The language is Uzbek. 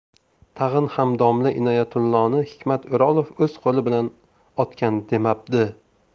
tag'in ham domla inoyatulloni hikmat o'rolov o'z qo'li bilan otgan demabdi